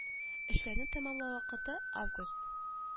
Эшләрне тәмамлау вакыты - август